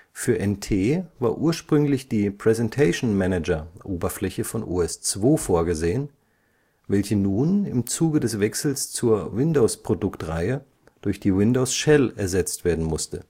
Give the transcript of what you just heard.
Für NT war ursprünglich die Presentation-Manager-Oberfläche von OS/2 vorgesehen, welche nun im Zuge des Wechsels zur Windows-Produktreihe durch die Windows-Shell ersetzt werden musste